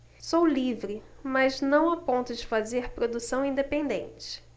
sou livre mas não a ponto de fazer produção independente